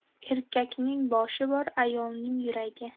erkakning boshi bor ayolning yuragi